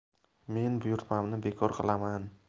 men buyurtmamni ber qilaman